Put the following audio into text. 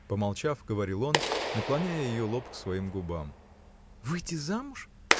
— помолчав, говорил он, наклоняя ее лоб к своим губам. — Выйти замуж?